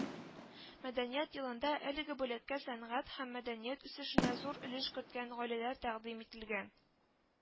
Мәдәният елында әлеге бүләккә сәнгать һәм мәдәният үсешенә зур өлеш керткән гаиләләр тәкъдим ителгән